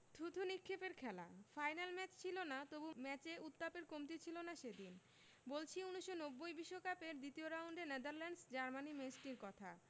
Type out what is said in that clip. থুতু নিক্ষেপের খেলা ফাইনাল ম্যাচ ছিল না তবু ম্যাচে উত্তাপের কমতি ছিল না সেদিন বলছি ১৯৯০ বিশ্বকাপের দ্বিতীয় রাউন্ডের নেদারল্যান্ডস জার্মানি ম্যাচটির কথা